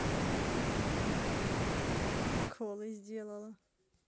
приколы сделала